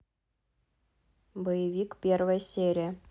боевик первая серия